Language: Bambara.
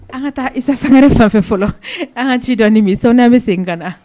An ka taa isa sanga wɛrɛ fanfɛ fɔlɔ an ka ci dɔn ni min sani bɛ se n ka na